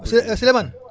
Souley Souleymane